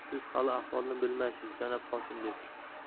dedi siz hali ahvolni bilmaysiz janob qosimbek